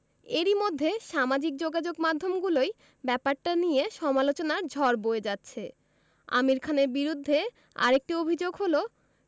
এরই মধ্যে সামাজিক যোগাযোগমাধ্যমগুলোয় ব্যাপারটি নিয়ে সমালোচনার ঝড় বয়ে যাচ্ছে আমির খানের বিরুদ্ধে আরেকটি অভিযোগ হলো